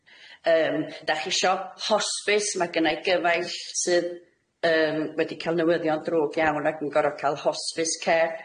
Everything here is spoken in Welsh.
Yym, dach isio hospice, ma' gynna i gyfaill sydd yym wedi cal newyddion drwg iawn ac yn gor'o' ca'l hospice care.